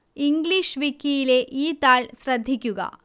English വിക്കിയിലെ ഈ താൾ ശ്രദ്ധിക്കുക